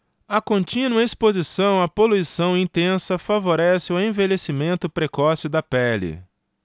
a contínua exposição à poluição intensa favorece o envelhecimento precoce da pele